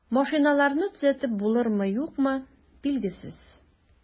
Машиналарны төзәтеп булырмы, юкмы, билгесез.